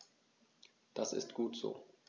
Das ist gut so.